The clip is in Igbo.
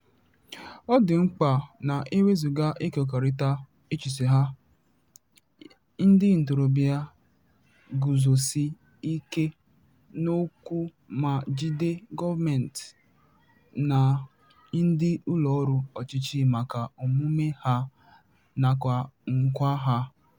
Ọ dị mkpa na e wezuga ịkekọrịta echiche ha, ndị ntorobịa guzosi ike n'okwu ma jide gọọmentị na ndị ụlọọrụ ọchịchị maka omume ha nakwa nkwa ha.